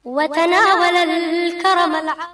Wa wa deli kɔrɔ la